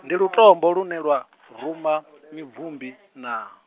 ndi lutombo lune lwa, ruma mibvumbi naa?